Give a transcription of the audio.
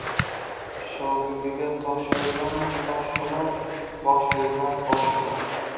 shogirdiga tosh bergan tosh olar bosh bergan bosh olar